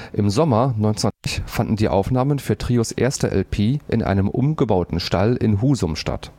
Im Sommer 1981 fanden die Aufnahmen für Trios erste LP in einem umgebauten Stall in Husum statt